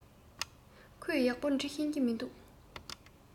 ཁོས ཡག པོ འབྲི ཤེས ཀྱི མིན འདུག